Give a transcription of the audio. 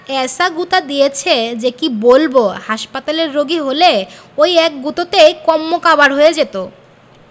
এ্যায়সা গুঁতো দিয়েছে যে কি বলব হাসপাতালের রোগী হলে ঐ এক গুঁতোতেই কন্মকাবার হয়ে যেত